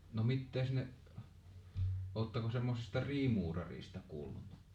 no mitä ne oletteko semmoisista friimuurareista kuullut